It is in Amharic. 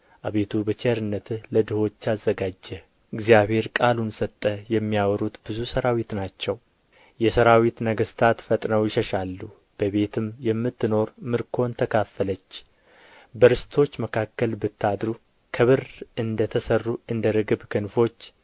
አቤቱ በቸርነትህ ለድሆች አዘጋጀህ እግዚአብሔር ቃሉን ሰጠ የሚያወሩት ብዙ ሠራዊት ናቸው የሠራዊት ነገሥታት ፈጥነው ይሸሻሉ በቤትም የምትኖር ምርኮን ተካፈለች በርስቶች መካከል ብታድሩ ከብር እንደ ተሠሩ እንደ ርግብ ክንፎች